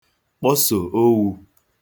kposò owū